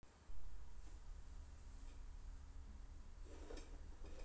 ну я попросил